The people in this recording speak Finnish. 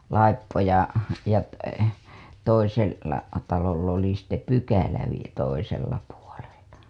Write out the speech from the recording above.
laippo ja ja - toisella talolla oli sitten pykälä - toisella puolella